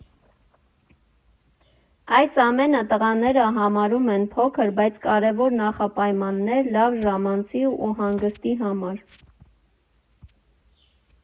Այս ամենը տղաները համարում են փոքր, բայց կարևոր նախապայմաններ լավ ժամանցի ու հանգստի համար։